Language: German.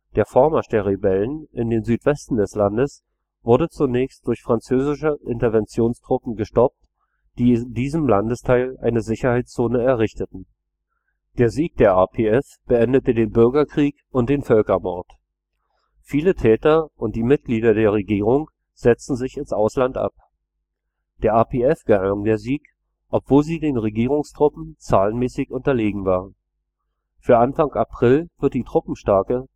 Der Vormarsch der Rebellen in den Südwesten des Landes wurde zunächst durch französische Interventionstruppen gestoppt, die in diesem Landesteil eine Sicherheitszone errichteten. Der Sieg der RPF beendete den Bürgerkrieg und den Völkermord. Viele Täter und die Mitglieder der Regierung setzten sich ins Ausland ab. Der RPF gelang der Sieg, obwohl sie den Regierungstruppen zahlenmäßig unterlegen war. Für Anfang April wird die Truppenstärke